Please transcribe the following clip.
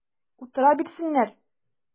Утыра бирсеннәр!